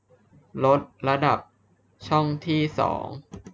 ลดระดับช่องที่สอง